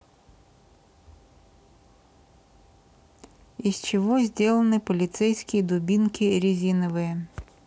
из чего сделаны полицейские дубинки резиновые